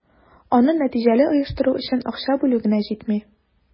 Аны нәтиҗәле оештыру өчен акча бүлү генә җитми.